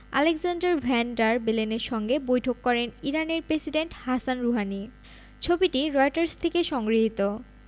Alexander van der বেলেনের সঙ্গে বৈঠক করেন ইরানের প্রেসিডেন্ট হাসান রুহানি ছবিটি রয়টার্স থেকে সংগৃহীত